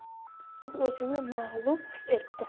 u o'zini mag'lub his etdi